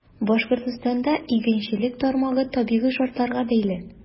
Башкортстанда игенчелек тармагы табигый шартларга бәйле.